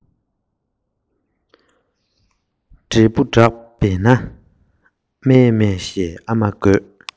འབྲས བུ བསྒྲགས པས ན མཱེ མཱེ ཞེས ཨ མ དགོད